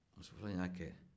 muso fɔlɔ ye min kɛ